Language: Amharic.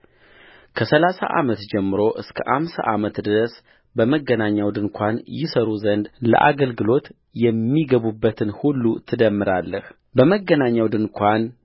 ከሠላሳ ዓመት ጀምሮ እስከ አምሳ ዓመት ድረስ በመገናኛው ድንኳን ይሠሩ ዘንድ ለአገልግሎት የሚገቡበትን ሁሉ ትደምራለህበመገናኛው ድንኳን